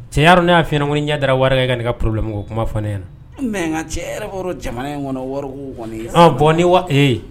Cɛ yarɔ ne y'a f'i ɲɛna ŋo n'i ɲɛ dara wɔri kan i kan'i ka problème ko kuma fɔ ne ɲɛna un mais ŋa cɛ e yɛrɛ b'a dɔn jamana in ŋɔnɔ wɔri ko kɔni ɔn bon ni wa ee